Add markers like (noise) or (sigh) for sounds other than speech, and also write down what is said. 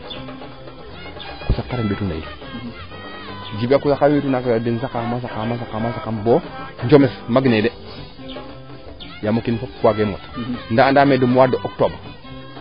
xa saaq xarɓeen ɓetu naxik Djiby (unintelligible) den saqa xama saqaam bo jomes mag nee de yaam o kiin fopum waage mot nda andaame de mois de octobre